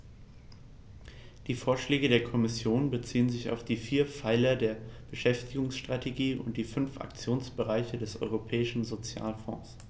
Die Vorschläge der Kommission beziehen sich auf die vier Pfeiler der Beschäftigungsstrategie und die fünf Aktionsbereiche des Europäischen Sozialfonds.